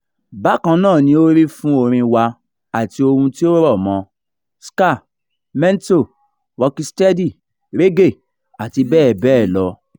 Bákannáà ni ó rí fún orin wa àti ohun tí ó rọ̀ mọ́, Ska, Mento, Rock Steady, Reggae àti bẹ́ẹ̀ bẹ́ẹ̀ lọ.